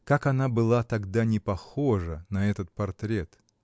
Как она была тогда не похожа на этот портрет!